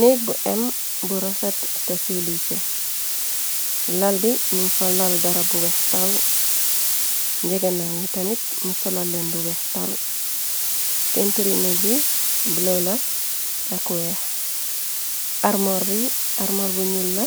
Negg bu em, bu rafet te silwise. Lal bi ñung fa lal darapp bu weextal, njegenayi tamit ñu solal len yu weextal. Penturi neg bi, bulëla ak weex. Armoorbi, armoor bu ñul la,